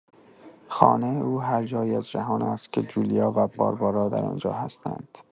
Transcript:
خانه او هر جایی از جهان است که جولیا و باربارا در آن‌جا هستند.